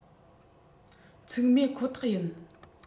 འཚིག རྨས ཁོ ཐག ཡིན